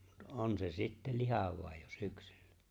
mutta on se sitten lihava jo syksyllä